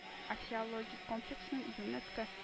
Археологик комплексын юнеско